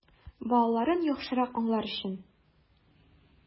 Балаларын яхшырак аңлар өчен!